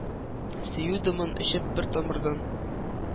Сөю дымын эчеп бер тамырдан,